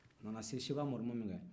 a nana se seko amadu ma min kɛ